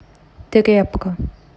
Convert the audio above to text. тряпка